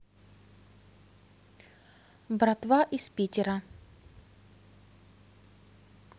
братва из питера